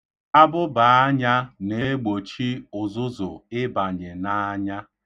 Abụbaanya na-egbochi ụzụzụ ịbanye n'anya.